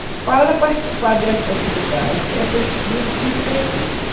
para participar dessas atividades é preciso se inscrever